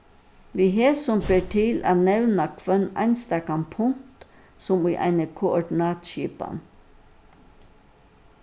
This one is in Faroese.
við hesum ber til at nevna hvønn einstakan punt sum í eini koordinatskipan